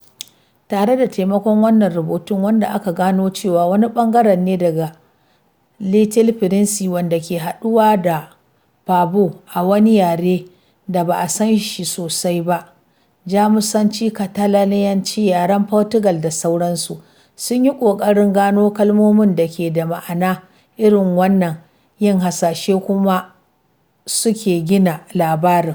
Tare da taimakon wannan rubutun (wanda aka gano cewa wani ɓangare ne daga Little Prince wanda ke haɗuwa da fox) a wani yare da ba a sanshi sosai ba (Jamusanci, Catalaniyanci, yaren Portugal, da sauransu) sun yi ƙoƙarin gano kalmomin da ke da ma'ana irin wannan, yin hasashe, kuma su sake gina labarin.